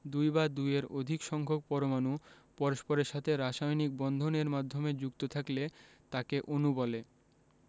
দুই বা দুইয়ের অধিক সংখ্যক পরমাণু পরস্পরের সাথে রাসায়নিক বন্ধন এর মাধ্যমে যুক্ত থাকলে তাকে অণু বলে